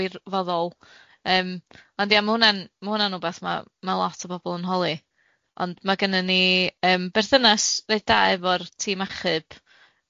Ym ond i ma' hwnna'n ma' hwnna'n wbath ma- ma' lot o bobol yn holi, ond ma' genna ni berthynas reit dda efo'r tîm achub